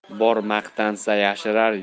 bor maqtansa yarashar